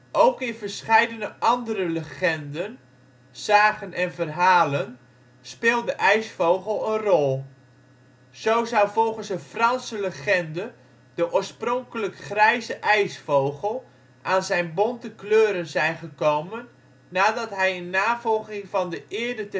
Ook in verscheidene andere legenden, sagen en verhalen speelt de ijsvogel een rol. Zo zou volgens een Franse legende de oorspronkelijk grijze ijsvogel aan zijn bonte kleuren zijn gekomen nadat hij in navolging van de eerder